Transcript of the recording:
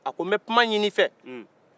a ko n bɛ kuma ɲinin i fɛ